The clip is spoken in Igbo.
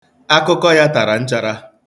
Akụkọ ya tara nchara.